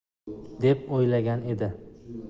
deb uylagan edi